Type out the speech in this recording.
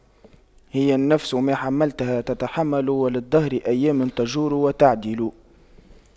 هي النفس ما حَمَّلْتَها تتحمل وللدهر أيام تجور وتَعْدِلُ